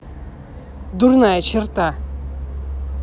дурная черта